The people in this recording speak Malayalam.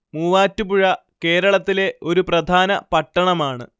മൂവാറ്റുപുഴ കേരളത്തിലെ ഒരു പ്രധാന പട്ടണമാണ്